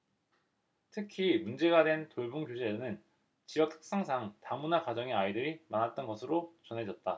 특히 문제가 된 돌봄교실에는 지역 특성상 다문화 가정의 아이들이 많았던 것으로 전해졌다